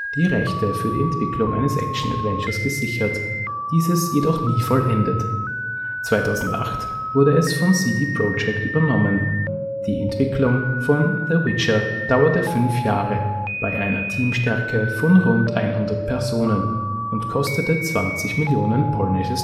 die Rechte für die Entwicklung eines Action-Adventures gesichert, dieses jedoch nie vollendet. 2008 wurde es von CD Projekt übernommen. Die Entwicklung von The Witcher dauerte fünf Jahre, bei einer Teamstärke von rund 100 Personen, und kostete 20 Millionen polnische